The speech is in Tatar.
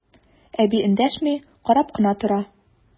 Әби эндәшми, карап кына тора.